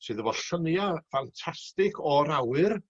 sydd efo llynia ffantastig o'r awyr